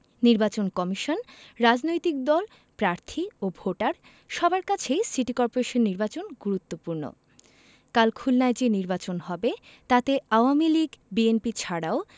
নির্বাচন কমিশন রাজনৈতিক দল প্রার্থী ও ভোটার সবার কাছেই সিটি করপোরেশন নির্বাচন গুরুত্বপূর্ণ কাল খুলনায় যে নির্বাচন হবে তাতে আওয়ামী লীগ বিএনপি ছাড়াও